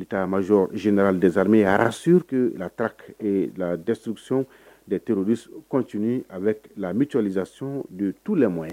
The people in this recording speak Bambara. Taa mason zddzme a suruurki la ladsi deterrodi kɔnt a bɛ lamili tu lamɛn ye